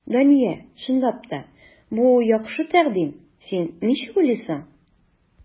Дания, чынлап та, бу яхшы тәкъдим, син ничек уйлыйсың?